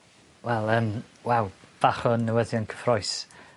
Wel yym wel bach o newyddion cyffrous.